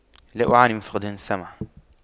لا أعاني فقدان السمع